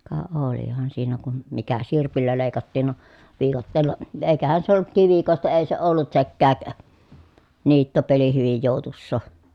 ka olihan siinä kun mikä sirpillä leikattiin no viikatteella eikähän se ollut kivikkoista ei se ollut sekään niittopeli hyvin joutuisaa